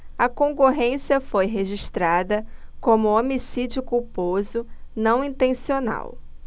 a ocorrência foi registrada como homicídio culposo não intencional